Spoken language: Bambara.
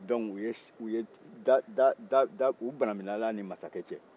dɔnki u ye s u ye da da da u banabilil'a ni masakɛ